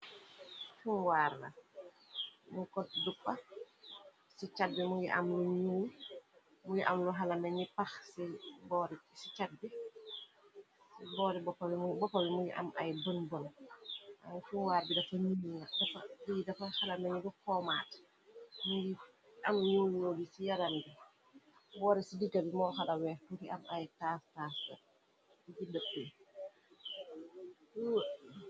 Jumwaar la mu ko duppa ci chàt bi muy am lu xala nañi pax i boori boppa bi muyi am ay bën bon sumwaar bi li dafa xala melñu luxoomaat am ñul ñu bi ci yaram bi woore ci diga bi moo xalaweer tuki am ay tas tasfe gi dëpp yi.